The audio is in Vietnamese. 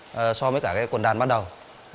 ờ so với cả cái quần đàn ban đầu